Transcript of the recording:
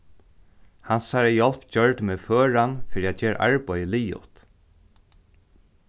hansara hjálp gjørdi meg føran fyri at gera arbeiðið liðugt